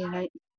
nooc ah